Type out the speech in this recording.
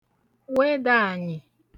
wedà ànyị̀